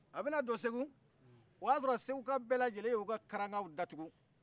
a bɛ na don segu o y'a sɔrɔ segukaw bɛlajelen y'u ka karankaw datugu